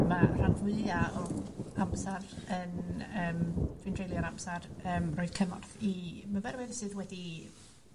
ma' rhan fwya o'r amsar yn yym fi'n treulio'r amsar yn rhoi cymorth i myfyrwyr sydd wedi